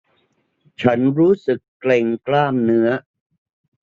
ฉันรู้สึกเกร็งกล้ามเนื้อ